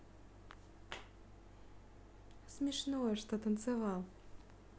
смешное что танцевал